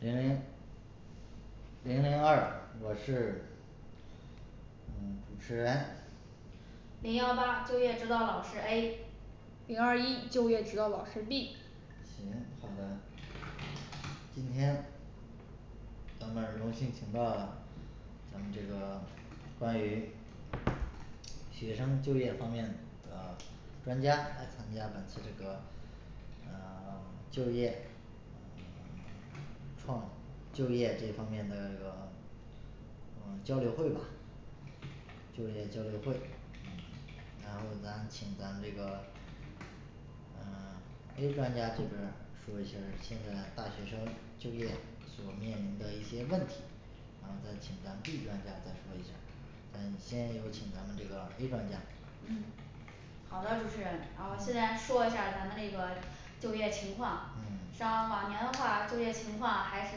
零零零零二我是嗯主持人零幺八就业指导老师A 零二一就业指导老师B 行好的今天咱们儿荣幸请到了咱们这个关于学生就业方面啊专家来参加本次这个啊 就业啊 创就业这方面的这个嗯交流会吧就业交流会嗯然后咱请咱们这个嗯 A专家这边儿说一下儿现在大学生就业所面临的一些问题然后再请咱B专家再说一下儿嗯先有请咱们这个A专家嗯好的主持人好现嗯在说一下儿咱那个就业情况嗯像往年的话就业情况还是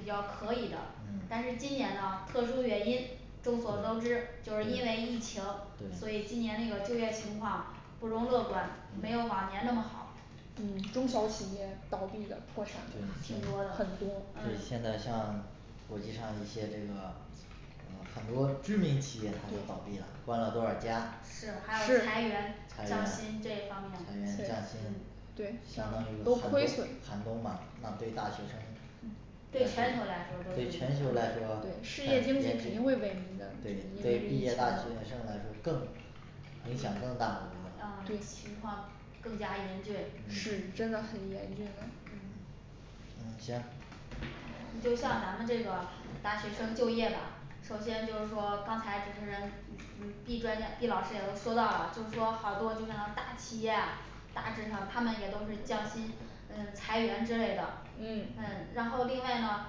比较可以的嗯但是今年呢特殊原因众所周嗯知就是因为对疫情所对以今年那个就业情况不容乐观没有往嗯年那么好嗯中小企业倒闭的破产对挺多的的很多就是嗯现在像国际上一些这个嗯很多知名企业它都倒闭啦对关了多少儿家是还有是裁员降裁薪员这方裁面的员降对嗯薪对相当于寒都冬亏损寒冬嘛那对大学生对全球儿来说对全球来说对事很业严紧经济肯定会被那对什对毕业大学么的生来说更影响更大我觉得嗯对情况更加严峻嗯是嗯真的很严峻呢嗯行你就像咱们这个大学生就业吧首先就是说刚才不是嗯一转眼一老些人都说到啦就是说好多这种大企业呀大致上他们也都是降薪嗯裁员之类的嗯嗯然后另外呢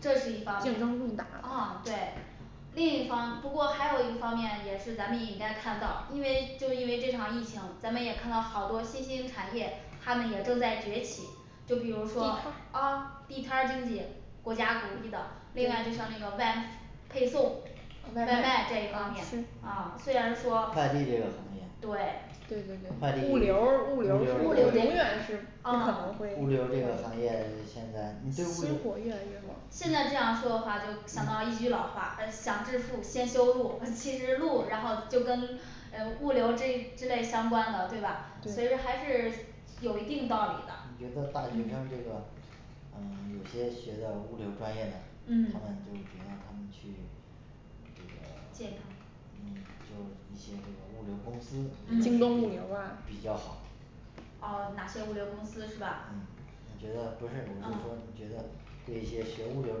这几个竞争更大了啊对就比如地说摊儿啊地摊儿经济国家主推的另外就像对那个外配送外外卖卖这一方面啊嗯虽然说快递这个行业对对对对快递对物物流流儿物流儿是永远是不可啊能物会物流这个行业现在你对星物流火越来越旺现在嗯这样做的话就相嗯当于老化嗯想致富先修路嗯其实路然后就跟嗯物流这系列相关的对吧嗯但对是还是有一定的你努力的觉得大学嗯生这个呃 有些学的物流专业的他嗯们觉得他们去这个嗯就是一些这个物流儿公司也是京嗯东物比流儿较啊比较好啊哪些物流公司是吧嗯你觉得不是我就啊说你觉得对一些学物流儿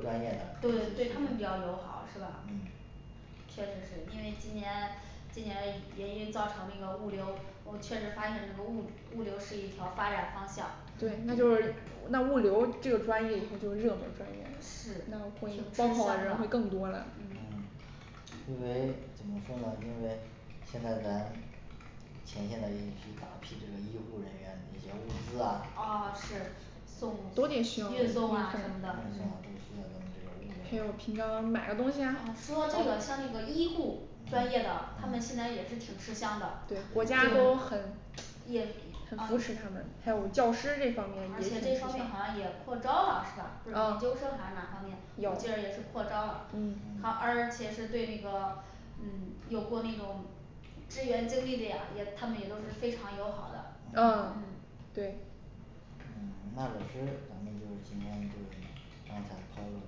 专业的对对他们比较友好是吧嗯确实是因为今年今年原因造成那个物流我确实发现这个物物流是一条发展方向对那就是那物流儿这个专业以后就是热门儿专业了是那么会就招保多安人了会更多了嗯嗯因为怎么说呢因为现在咱请进了一批大批这个医护人员那些物资啊啊是送都得需要运运费送啊什么送运送啊就需要咱们的这个物流还有平常买个东西啊说到这个像这个医护专业嗯的他们嗯现在也是挺吃香的对国家都很也啊啊这一也很扶持他们还有教师这方面也给引进方面好像也扩招了是吧就是优嗯生还是哪方面我记得也有是扩招了嗯嗯好而且是对那个嗯有过那种支援啊因为他们也都是非常友好嗯啊的对嗯 那老师咱们就是今天就是刚才抠了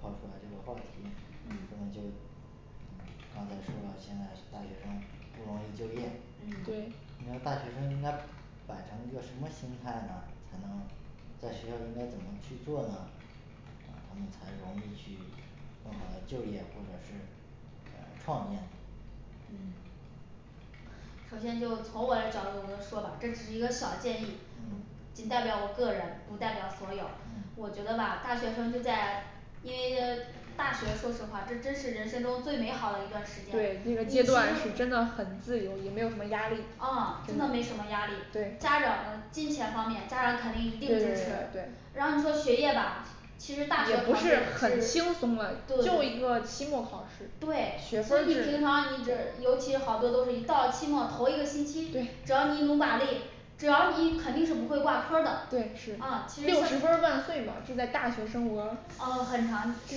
套出来这个话题那嗯么就嗯刚才说了现在大学生不容易就业嗯对那大学生应该摆成一个什么心态呢才能在学校应该怎么去做呢啊他们才容易去更好地就业或者是呃创业呢嗯仅代表我个人不嗯代表所有嗯我觉得吧大学生是在对那个阶段是真的很自由也没有什么压力真的对家长呢金钱方面家长肯定一定对支持对对对然后说学业吧其实大学也考不是试很是轻对松的就一个期末考试对学分估儿计制平常你一直尤其是好多都是一到期末头一个星期对只要你努把力只要你肯定是不会挂科儿的对是啊其实对六呃十分儿万岁嘛这在大学生活很常这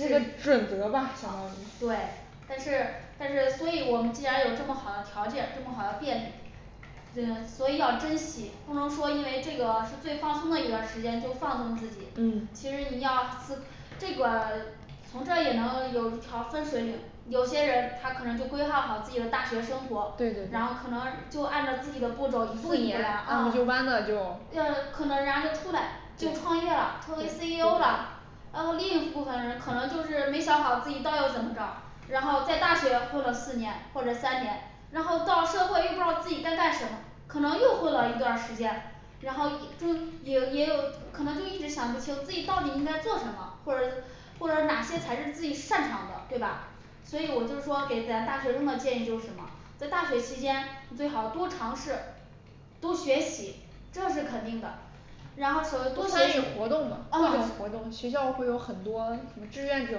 是个准则吧相当于对可是但是所以我们既然有这么好的条件这么好的便利嗯所以要珍惜不能说因为这个是最放松的一段儿时间就放纵自己嗯其实你要就这个 从这儿也能有条分水岭有些人儿他可能就规划好自己的大学生活对对对然后可能就按照自己的步骤一步自一步研来按部啊就班的就对呀可能人家就出来就对创业啦成为对 C 对 E O 对啦然后另一部分人可能就是没想好自己到底要怎么找然后在大学里头混了四年或者三年然后到了社会又不知道自己该干什么可能又混了一段儿时间然后就也也有可能就一直想一些我自己到底应该做什么或者儿或者儿哪些才是自己擅长的对吧所以我就是说给咱大学生的建议就是什么在大学期间你最好多尝试多学习这是肯定的然后各种啊活动学校会有很多什么志愿者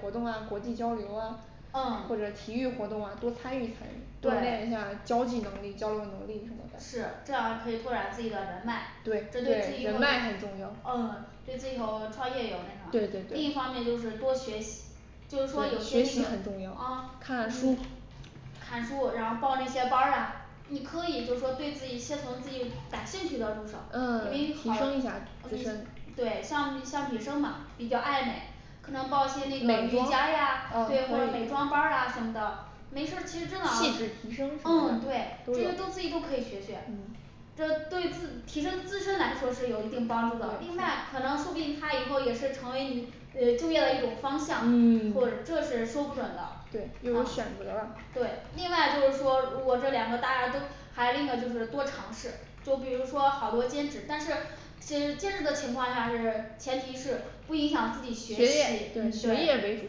活动啊国际交流啊啊或者体育活动啊多参与参与锻炼一下儿交际能力交流能力什么的是这样来可以拓展自己的人脉这对这就是对人脉很重对要啊嗯这对有创业有那对啥对对另一方面就是多学习就是说有学习很重要啊看看书看书然后报一些班儿呀你可以就是说对自己先从自己感兴趣的入手因嗯为提好升一下儿自身嗯对像像女生嘛比较爱美可能报一些那个美瑜妆伽啊呀可以这个美妆班儿啊什么的气质提升上去都有嗯这对自提升自身来说是有一定帮助的另对外可能说不定它以后也是成为你嗯就业的一种方向嗯或 者这只是说不准的对又有选啊择了啊对另外就是说我这两个大家都还那个就是多尝试就比如说好多兼职但是这是第二个情况下是前提是不影响自己学学习业对对以学业为主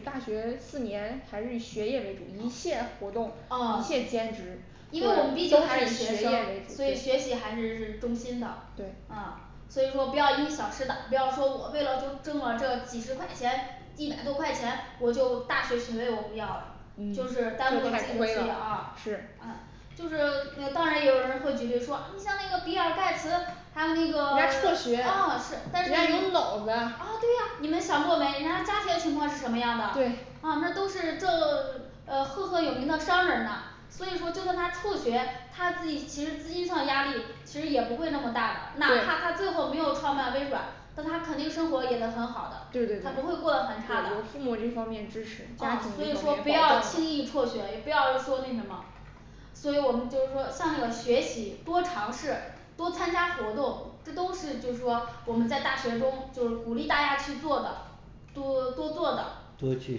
大学四年还是以学业为主一切活动一切啊兼职后来都是以学业为因为我们毕竟都还是学生主所对以学习还是是中心的对啊所以说不要因小失大不要说我为了就挣了这几十块钱一百多块钱我就大学学位我不要了嗯就就是是耽太误的你自亏己了了啊是唉就是当然也有人说起这说你像那个比尔盖茨他那人家个 啊辍学是但人是啊家有老子对呀你们想过没人家家里的情况是什么样的对啊那都是这呃赫赫有名的商人呐所以说这个他辍学他自己其实资金上压力其实也不会那么大的哪对怕他最后没有创办微软那他肯定生活也是很好对对对对的他不会过得很差的有父母这方面支持家啊庭所这以说方不面保要障轻易辍学也不要一说那什么所以我们就是说像那个学习多尝试多参加活动这都是就是说我们在大学中就是鼓励大家去做的多多做的多去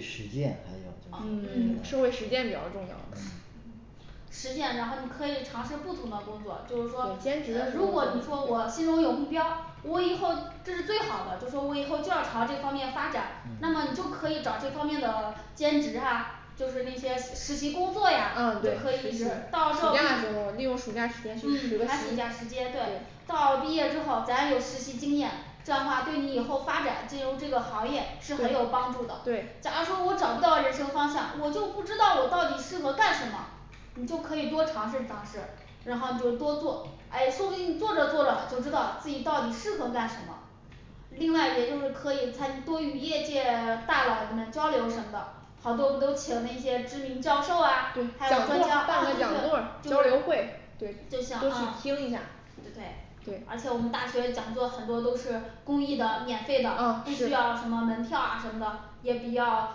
实践还有嗯就是嗯社会实践比较重要嗯实践然后你可以尝试不同的工作就是说对兼职的时候如儿果就你说我心中有目标儿我以后这是最好的就是说我以后就要朝这方面发展那嗯么你就可以找这方面的兼职啊就是那些实习工作啊呀就对嗯可以实离习职到暑到假的时候儿利用暑假时间去实个嗯寒习暑假时间对对这样的话对你以后发展进入这个行业是很对有帮助的对你就可以多尝试尝试然后你就多做哎说不定你做着做着就知道自己到底适合干什么另外也就是可以参多与业界大佬们交流什么的好多不都请那些知名教授啊对还讲有专家课办个讲座儿交流会对都就像想听一下对不对对而且我们大学的讲座很多都是公益的免费啊的不是需要什么门票啊什么的也不要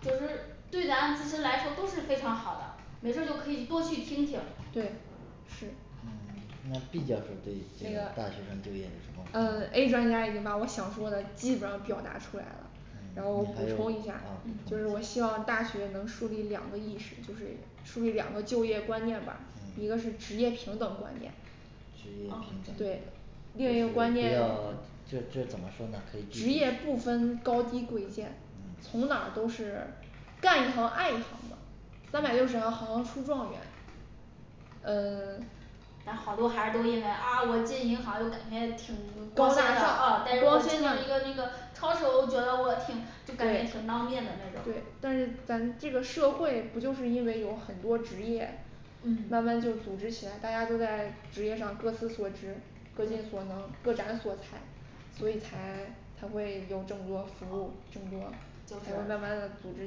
就是对咱自身来说都是非常好的没事儿就可以多去听听对是嗯那B教授对那那个大个学生就业有什么呃A专家已经把我想说的基本上表达出来啦嗯你还有啊好然后我补充一下就是我希望大学能树立两个意识就是树立两个就业观念吧嗯一个是职业平等观念职业啊平等对就另一是个我观念知道这这怎么说呢可以职职业业不分高低贵贱嗯从哪儿都是干一行爱一行的三百六十行行行出状元嗯 高大上光鲜亮丽对对但是咱这个社会不就是因为有很多职业嗯慢慢就组织起来大家都在职业上各司所职各尽所能各展所才所以才 才会有这么多服务这么啊就多才能慢慢的是组织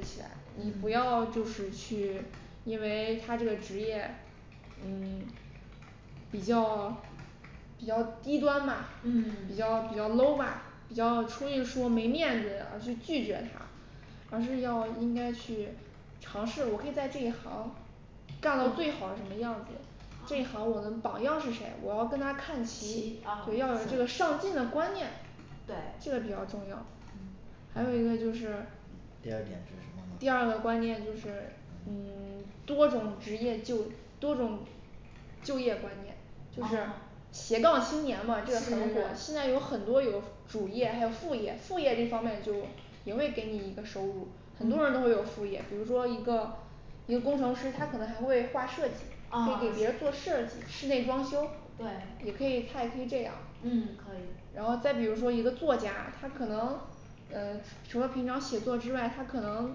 起来你嗯不要就是去因为他这个职业嗯 比较 比较低端吧嗯比较比较low吧比较出去说没面子而去拒绝它而是要应该去尝试我可以在这一行儿干到最好是什么样子这一啊行我们榜样是谁我要跟他看齐齐要有这个对上进的观念对这个比较重要嗯还有一个就是第二点是什么第呢二个观念就是嗯嗯 多种职业就多种就业观念就是啊斜杠青年吗这个是很火是是现在有很多有主业还有副业副业这方面就也会给你一个收入很多人都会有副业比如说一个一个工程师他可能还会画设计他就啊给别人做设计室内装修对也可以他也可以这样嗯儿可以然后再比如说一个作家他可能嗯除了平常写作之外他可能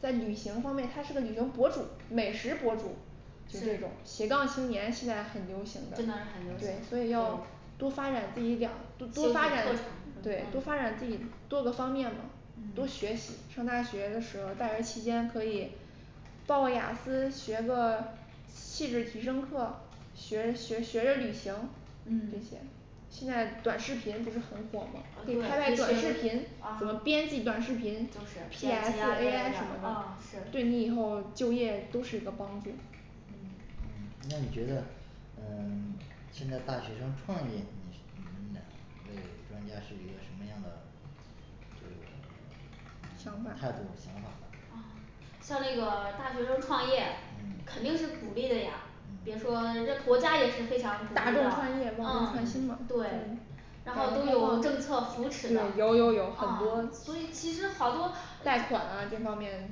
在旅行方面他是个旅游博主美食博主就这种嗯斜杠青年现在很流行的真的很流行对嗯所对以要多发展自己两多多发展对多发展自己多个方面吗多嗯学习上大学的时候儿大学期间可以报雅思学个气质提升课学学学着旅行这嗯些现在短视频不是很火吗可以拍啊拍短做视频这怎么个编啊辑短视就频是 P 啊 S 就 A I什是么的啊是对你以后就业都是一个帮助嗯嗯那你觉得嗯 现在大学生创业你你们哪位专家是一个什么样的这想个态度法想法啊像那个大学生创业嗯肯定是鼓励的呀别嗯说人国家也是非常鼓励大众的创业万众创新嗯嘛对嗯然然后后他有它对有政策扶持着有有有很多啊所以其实好多贷嗯款啊这方面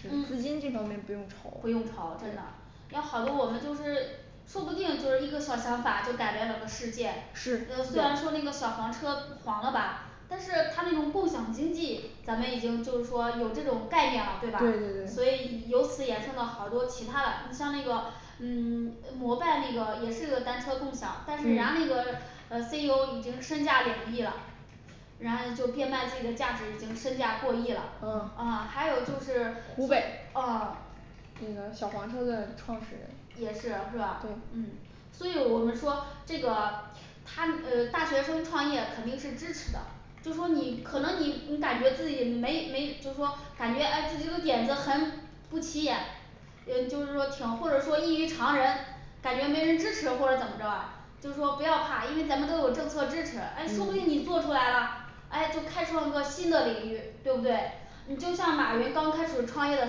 是资金这方面不用愁不用愁真的要好多我们就是说不定就是一个小想法就改变了个世界虽是然有说那个小黄车黄了吧但是它那种共享经济咱们也就就是说有这种概念了对吧所以由此也看到好多其它的你像那个嗯 嗯国外那个也是个单车共享但是人家嗯那个嗯C E O已经身价两亿啦人家就变卖自己的价值已经身价过亿啦啊嗯还有就是湖北啊那个小黄车的创始人对也是是吧嗯所以我们说这个他嗯大学生创业肯定是支持的就说你可能你你感觉自己没没就是说感觉哎自己的点子很不起眼也就是说挺或者说异于常人感觉没人支持或者怎么着啊就是说不要怕因为咱们都有政策支持哎说不嗯定你做出来啦哎就开创个新的领域对不对你就像马云刚开始创业的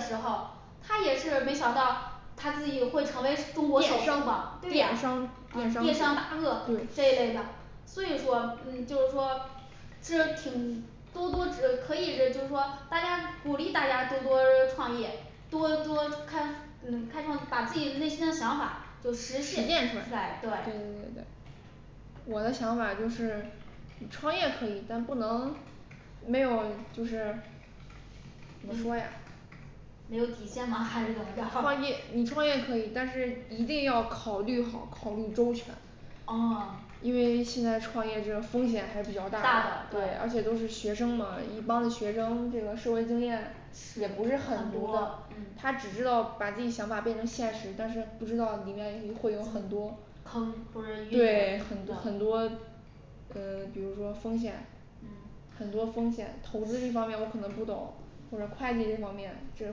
时候他也是没想到他自己会成为中国首富嘛对呀电商电商电电商商大鳄对这一类的所以说嗯就是说其实挺多多这可以这就是说大家鼓励大家多多创业多多看嗯看看把自己内心的想法就是实实践现出出来来对对对对对我的想法就是你创业可以但不能没有就是怎么说呀没有体现吗还是怎么着啊 创业你创业可以但是一定要考虑好考虑周全啊因为现在创业这个风险还是比较大大的的对而且都是学生嘛一帮的学生这个社会经验也不是很想不多到嗯嗯他只知道把自己想法变成现实但是不知道里面会有很多对很坑很多嗯比如说风险嗯很多风险投资这方面我可能不或者会计这方面这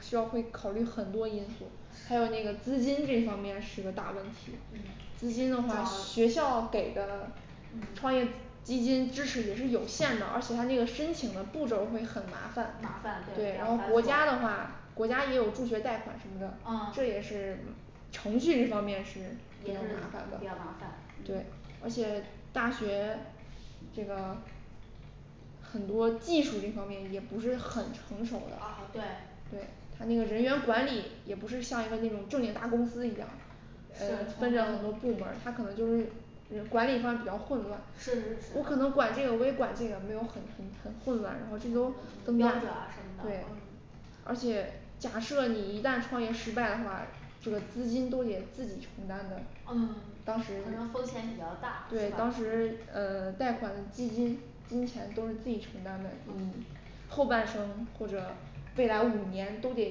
需要会考虑很多因素还有那个资金这方面是个大问题嗯资金的话学校给的嗯创业基金支持也是有限的而且它那个申请的步骤儿会很麻烦麻烦对对然后国家的话国家也有助学贷款什么的啊这也是程序这方面是是比较麻烦的比较麻烦对而且大学这个很多技术这方面也不是很成熟的啊啊对对他那个人员管理也不是像一个那种正经大公司一样嗯分着很多部门儿他可能就是管理上比较混乱是是是我可能管了这个我也管这个没有很很很混乱然后这就增压嗯什么对的而且假设你一旦创业失败的话这个资金都得自己承担的嗯当时可能风险比较大是对当时吧呃贷款的基金目前都是自己承担的嗯后半生或者未来五年都得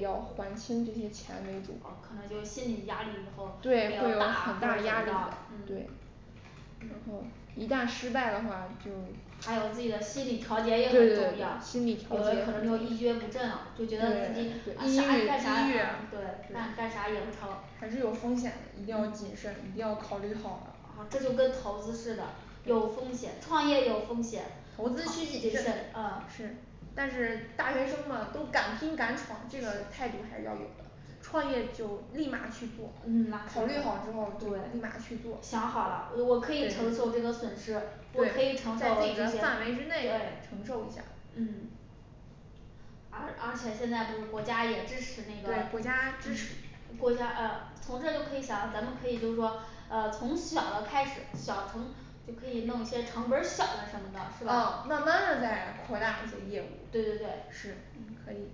要还清这些钱为主可能就是心理压力以后比较大啊对会有或很大者压什力么的啊嗯对然后一旦失败了话就还有自对己对的心心理理调调节也节很对抑郁抑郁重要对有的可能都说一蹶不振了就觉得自己啊啥也干啥啥也不顺干干啥也不成还是有风险的一定要谨慎一定要考虑好了啊这就跟投资似的有风险创业有风险投资需谨谨慎慎啊是但是大学生啊都敢拼敢闯这个态度还是要有的创业就立马儿去做嗯考虑好之后就立马儿去对做对对想好啦我可以承受这种损失嗯我可以承受在自己的范围之内对承受一下儿嗯而而且现在不是国家也支持那个对国家支持嗯国家啊从这儿就可以想到咱们可以就是说啊从小的开始小城就可以弄一些成本儿小的什么的啊慢慢的再扩大这个业务对对对是嗯可以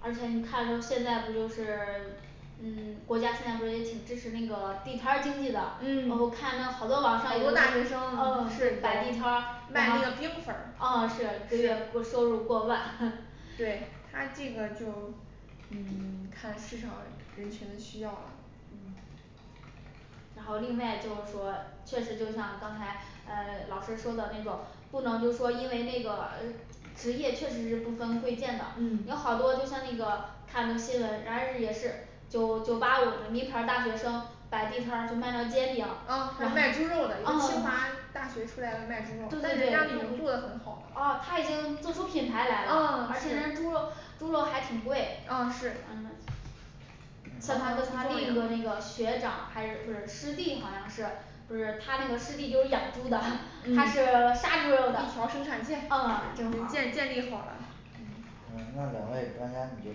而且你看就现在不就是 嗯国家现不是也挺支持那个地摊儿经济的嗯好多大学生是有卖我看到好多网上他就是呃是摆地摊儿什那个冰粉么儿啊是是就是过收入过万 对他这个嗯 看市场人群的需要了嗯然后另外就是说确实就像刚才哎老师说的那种不能就是说因为那个职业确实是不分贵贱的嗯有好多就像那个看那个新闻人家也是九九八五的名牌儿大学生摆地摊儿就卖个煎饼嗯啊啊还就有对卖猪对对肉的你说清华大学出来了卖猪肉但人家已经做得很好了啊他已经做出品牌来了嗯啊啊而是且他猪肉猪肉还挺贵啊是算他他认识的那个学长还是不是师弟好像是不是他那个师弟就是养猪的他是杀猪嗯一的啊条儿生产线挺好建建立好了 啊那两位专家你觉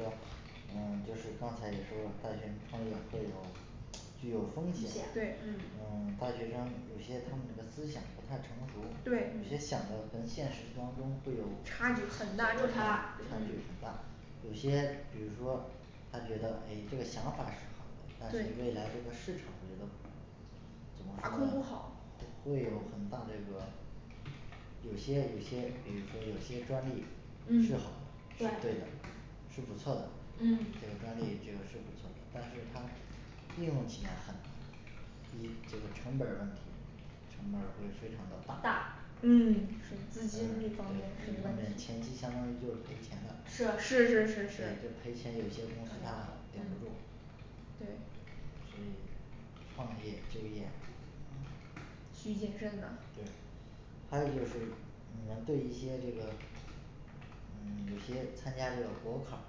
得嗯就是刚才也说的大学生创业会有具有嗯风风险险对嗯嗯大学生有些他们的思想不太成熟对有些想的和现实当中都有差差距距很很大大就是啥啊有些比如说他觉得哎这个想法儿是好的但是对未来这个市场的也都怎么说不呢好会有很大这个有些有些比如说有些专利嗯是好的是对对的是不错的嗯这个专利这个是不错的但是他应用起来很难一这个成本儿问题成本儿会非常的大大嗯嗯是资对是金因这一为方面是个问题前期相当于就是赔钱啦是是是是就是赔钱有些公司它顶不住对是创业就业需谨慎呐对还有就是你们对一些这个嗯有些参加这个国考儿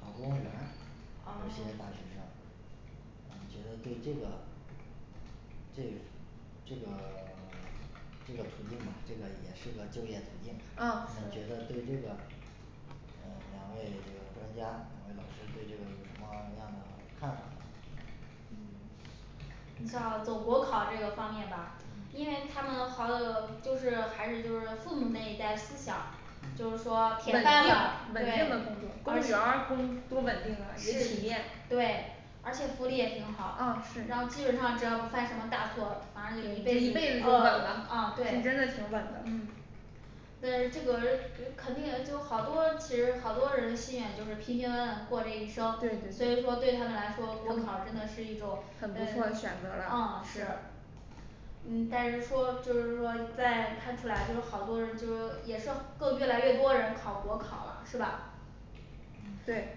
考公务员啊有些大学 生啊觉得对这个这这个 这个途径哪这个也是个就业途径啊你们觉得对这个嗯两位这个专家两位老师对这个有什么样的看法呢你看啊走国考这个方面吧嗯因为他们好久的都是还是就是父母那一代思想就是说铁稳饭碗定稳对定的工作是公务员儿多稳定啊也体面对而且福利也挺好那啊么是基本上只要不犯什么大错反正也一一辈子辈就子稳啦啊就对是真的挺稳的嗯但是这个肯定人都好多其实好多人心里面就是平平安安的过这一生对所对对以说对他们来说国考真的是一种很不错的选择嗯了啊是嗯但是说就是说再看出来就是好多人就也是更越来越多人考国考儿了是吧嗯对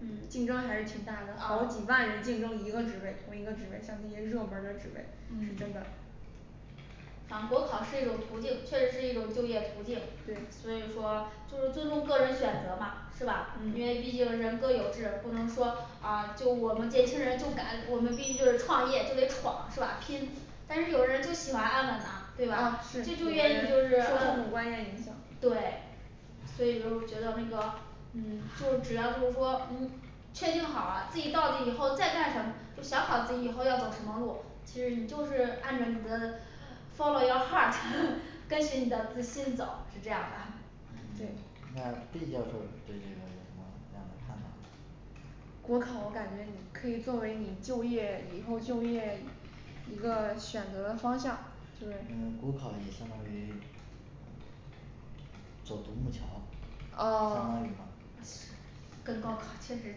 嗯竞争还是挺大的好啊几万人竞争一个职位同一个职位像这些热门儿的职位是嗯真的啊国考是一种途径确实是一种就业途径对所以说就是尊重个人选择吧是吧因嗯为毕竟人各有志不能说啊就我们年轻人就敢我们毕竟是创业就得闯是吧拼但是有人就喜欢安稳呐对啊吧是这就有愿意的就是人受父母观念影响对所以就是我觉得那个嗯嗯就只要就是说确定好啦自己到底以后再干什么就想好自己以后要走什么路其实你就是按着你的follow your heart 跟着你的自信走是这样吧嗯对 那B教授对这个有什么样的看法呢国考我感觉你可以作为你就业以后就业一个选择的方向就是嗯国考也相当于走独木桥相当啊于 吗跟高考确实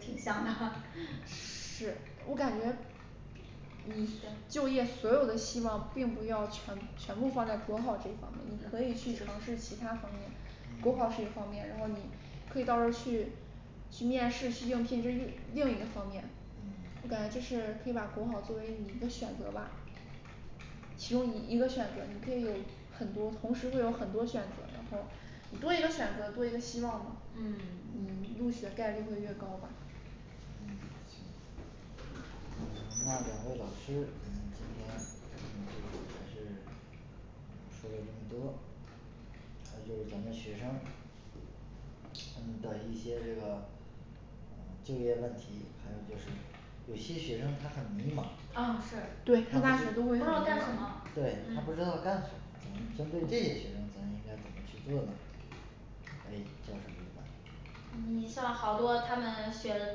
挺像的 是我感觉你是 就业所有的希望并不要全全部放在国考这一方面你可以去尝试其他方面嗯国考 是一个方面然后你可以到时候去去面试去应聘这是另一个方面嗯 我感觉这是可以把国考作为你一个选择吧求你一个选择你可以有很多同时会有很多选择然后你多一个选择多一个希望嘛嗯嗯录取的概率就会越高吧嗯行嗯 那两位老师嗯今天嗯就是还是说了嗯这么多而且咱们学生嗯的一些这个啊就业问题还有就是有些学生他很迷茫啊是对他大学都不会知道干什么对他不知嗯道干什么我们针对这些学生咱应该怎么去做呢 A这事儿你怎么办你像好多他们选